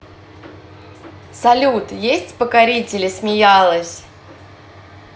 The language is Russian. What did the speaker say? салют есть покорители смеялась